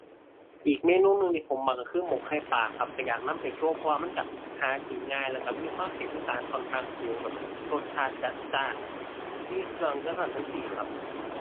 อีกเมนูหนึ่งที่ผมมักก็คือหมกไข่ปลาครับ ก็อยากนำไปโชว์ เพราะว่ามันก็หากินง่าย แล้วก็มีความเป็นอีสานค่อนข้างสูงแบบ รสชาติจัดจ้าน มีเครื่องจั่งซั้นจั่งซี้ครับ